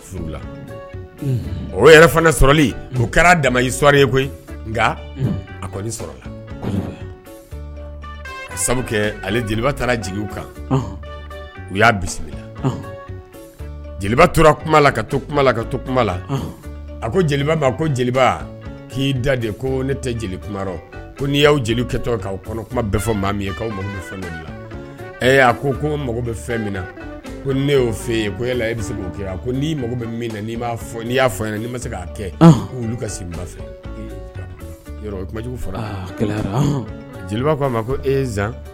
Ale jeliba taara kan u y'a jeliba to a ko jeliba jeliba k' da ko ne n'i y'aw kuma bɛɛ fɔ maa min ye mako la ɛ a ko ko mako bɛ fɛn min na ko ne' fɛ yen ko e e bɛ se k'o kɛ a mako bɛi y'a fɔ ɲɛna ma'a kɛ ka sin fɛ jeliba'a ma ko ez